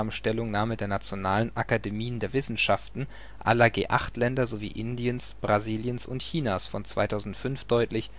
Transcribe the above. Stellungnahme der Nationalen Akademien der Wissenschaften aller G8-Länder sowie Indiens, Brasiliens und Chinas von 2005 deutlich